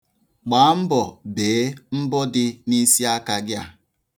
Gbaa mbọ̀ bee mbọ dị n'isiaka gị a.